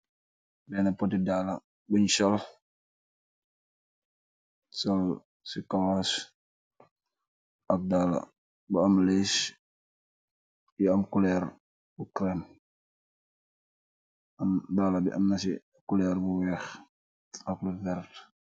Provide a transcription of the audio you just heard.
Bena pote dalla bung sol , sol se kawass ak dalla bu am liss yu am coloor bu creme, dalla bi amnasi coloor bu weeh ak lu werta.